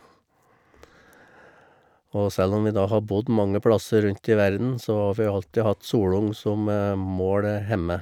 Og selv om vi da har bodd mange plasser rundt i verden, så har vi alltid hatt solung som mål hjemme.